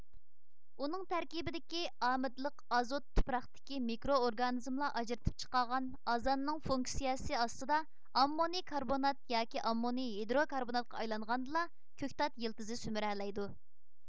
ئۇنىڭ تەركىبىدىكى ئامىدلىق ئازوت تۇپراقتىكى مىكرو ئورگانىزىملار ئاجرىتىپ چىقارغان ئازاننىڭ فۇنكسىيىسى ئاستىدا ئاممونىي كاربونات ياكى ئاممونىي ھىدرو كاربوناتقا ئايلانغاندىلا كۆكتات يىلتىزى سۈمۈرەلەيدۇ